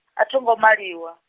a tho ngo maliwa.